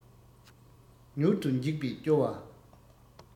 མྱུར དུ འཇིག པས སྐྱོ བ